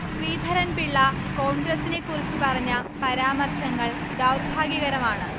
ശ്രീധരൻപിള്ള കോൺഗ്രസിനെ കുറിച്ച് പറഞ്ഞ പരാമർശങ്ങൾ ദൗർഭാഗ്യകരമാണ്